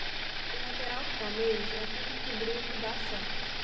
o lateral do palmeiras afirma que o brinco dá sorte